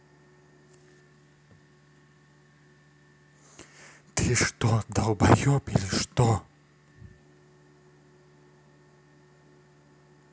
ты что долбоеб или что